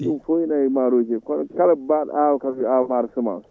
foof ina e maaroji he kono kala mbawɗo awde kaam yo aw maaro semence